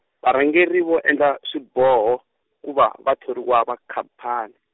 varhangeri vo endla swiboho, ku va vathoriwa va khamphani.